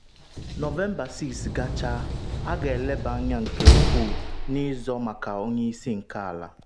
“Nọvemba 6 gachaa, A ga-elebe anya nke ukwuu n’ịzọ maka onye isi ala.”